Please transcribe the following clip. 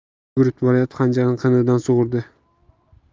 u yugurib borayotib xanjarini qinidan sug'urdi